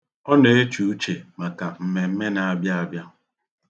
Ọ na-eche uche maka mmemme na-abịa abịa.